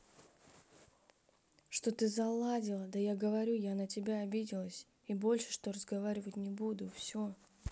что ты заладила да я говорю я на тебя обиделась и больше что разговаривать не буду все